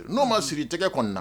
N'uo ma siri tɛgɛ kɔnɔna